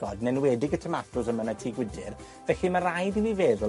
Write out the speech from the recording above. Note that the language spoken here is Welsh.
yn enwedig y tomatos yma yn y tŷ gwydyr. Felly, ma' raid i ni feddwl